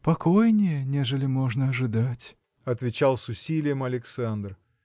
– Покойнее, нежели можно ожидать, – отвечал с усилием Александр.